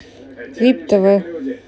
вип тв